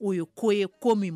O ye kɔ ye kɔ min